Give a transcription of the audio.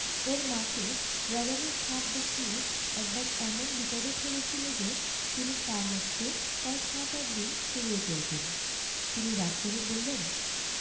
ওর মাকে রবারের সাপ দেখিয়ে একবার এমন বিপদে ফেলেছিল যে তিনি পা মচ্কে প্রায় সাত আটদিন খুঁড়িয়ে চলতেন তিনি রাগ করে বললেন